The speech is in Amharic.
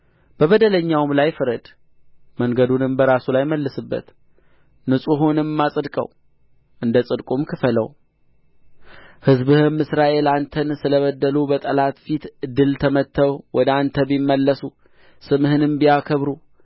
በበደለኛውም ላይ ፍረድ መንገዱንም በራሱ ላይ መልስበት ንጹሑንም አጽድቀው እንደ ጽድቁም ክፈለው ሕዝብህም እስራኤል አንተን ስለ በደሉ በጠላት ፊት ድል ተመትተው ወደ አንተ ቢመለሱ ስምህንም ቢያከብሩ